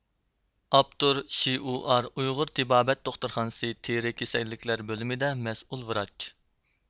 ئاپتور شې ئۇ ئا رې ئۇيغۇر تېبابەت دوختۇرخانىسى تېرە كېسەللىكلەر بۆلۈمىدە مەسئۇل ۋىراچ